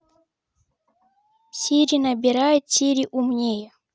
сири набирает сири умнее